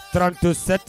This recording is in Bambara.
Tɔɔrɔdon se